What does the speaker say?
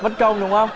bất công đúng không